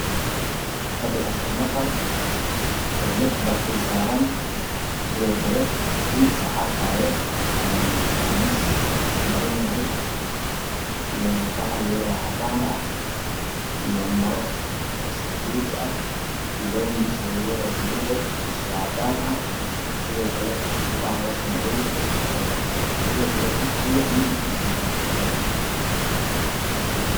Fadhi afar nafar oo lix barkin saaran sidoo kale cuudka carfaayo ayaa miiska saaran yahay io bahal yaroo cadaan ah io maro safaleeti ah io labo miis oo yar yar ah oo cadaan ah sidoo kale lugihiisa yahay kafeey sidoo kale kursiga midabkiisu waa kafey